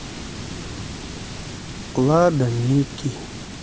лада мики